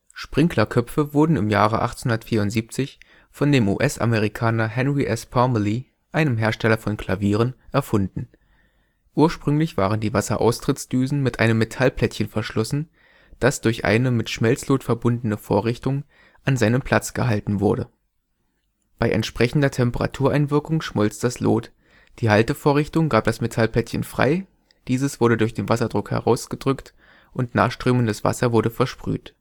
Sprinklerköpfe wurden im Jahre 1874 von dem US-Amerikaner Henry S. Parmalee, einem Hersteller von Klavieren, erfunden. Ursprünglich waren die Wasseraustrittsdüsen mit einem Metallplättchen verschlossen, das durch eine mit Schmelzlot verbundene Vorrichtung an seinem Platz gehalten wurde. Bei entsprechender Temperatureinwirkung schmolz das Lot, die Haltevorrichtung gab das Metallplättchen frei, dieses wurde durch den Wasserdruck herausgedrückt und nachströmendes Wasser wurde versprüht